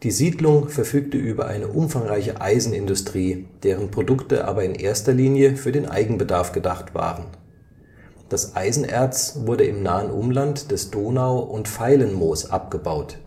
Siedlung verfügte über eine umfangreiche Eisenindustrie, deren Produkte aber in erster Linie für den Eigenbedarf gedacht waren. Das Eisenerz wurde im nahen Umland des Donau - und Feilenmoos abgebaut